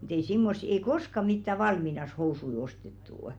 mutta ei semmoisia ei koskaan mitään valmiinansa housuja ostettu